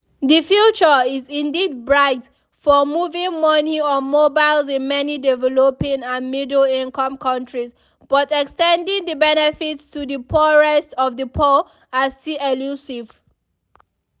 The future is indeed bright for moving money on mobiles in many developing and middle-income countries but extending the benefits to the poorest of the poor are still elusive.